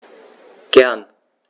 Gern.